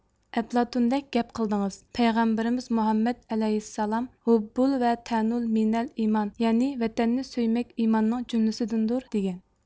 ئەپلاتوندەك گەپ قىلدىڭىز پەيغەمبىرىمىز مۇھەممەت ئەلەيھىسسالام ھۇببۇل ۋە تەنۇل مىنەل ئىمان يەنى ۋەتەننى سۆيمەك ئىمماننىڭ جۈملىسىدىندۇر دېگەن